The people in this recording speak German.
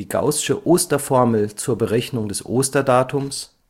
gaußsche Osterformel zur Berechnung des Osterdatums